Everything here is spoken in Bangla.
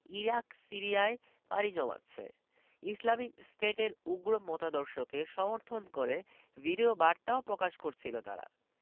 ইরাক সিরিয়ায় পাড়ি জমাচ্ছে ইসলামিক স্টেটের উগ্র মতাদর্শকে সমর্থন করে ভিডিওবার্তাও প্রকাশ করছিল তারা